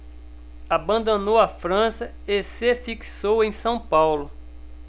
abandonou a frança e se fixou em são paulo